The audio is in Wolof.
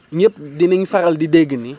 ñëpp dinañ faral di dégg ni